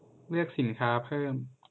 เลือกสินค้าเพิ่ม